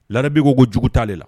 Lara b bɛ ko ko jugu taale la